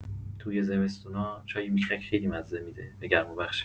توی زمستونا، چای میخک خیلی مزه می‌ده و گرمابخشه.